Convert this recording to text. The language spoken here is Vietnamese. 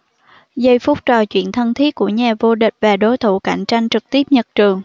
giây phút trò chuyện thân thiết của nhà vô địch và đối thủ cạnh tranh trực tiếp nhật trường